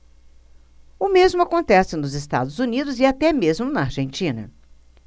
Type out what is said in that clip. o mesmo acontece nos estados unidos e até mesmo na argentina